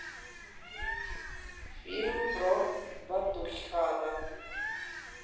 фильм про батухана